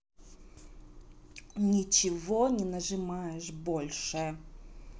ничего не нажимаешь больше